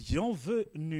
Jɔn fɛ nin